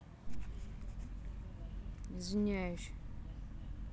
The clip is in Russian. извиняюсь